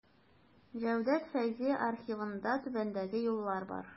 Җәүдәт Фәйзи архивында түбәндәге юллар бар.